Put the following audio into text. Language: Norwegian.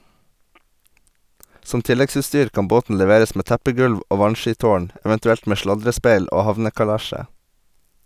Som tilleggsutstyr kan båten leveres med teppegulv og vannskitårn, eventuelt med sladrespeil og havnekalesje.